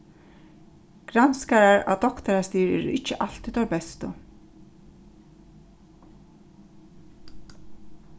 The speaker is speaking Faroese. granskarar á doktarastigi eru ikki altíð teir bestu